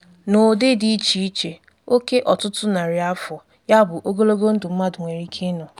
CB: N'ụdị dị iche iche, oke ọtụtụ narị afọ, ya bụ ogologo ndụ mmadụ nwere ike ị nọ.